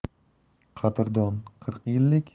qadrdon qirq yillik